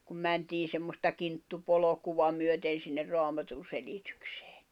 kun mentiin semmoista kinttupolkua myöten sinne raamatunselitykseen